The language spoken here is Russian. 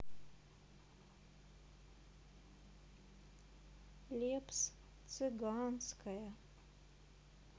лепс цыганская